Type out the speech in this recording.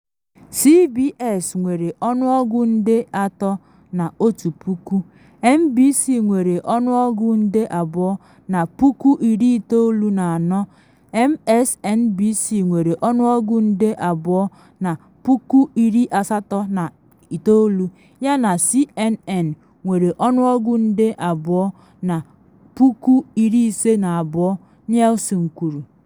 CBS nwere ọnụọgụ nde 3.1, NBC nwere ọnụọgụ nde 2.94, MSNBC nwere ọnụọgụ nde 2.89 yana CNN nwere ọnụọgụ nde 2.52, Nielsen kwuru.